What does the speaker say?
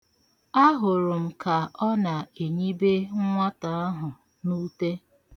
Ahụrụ m ka ọ na-enyibe nwata ahụ n'ute.